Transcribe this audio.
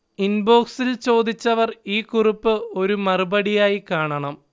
ഇൻബോക്സിൽ ചോദിച്ചവർ ഈ കുറിപ്പ് ഒരു മറുപടി ആയി കാണണം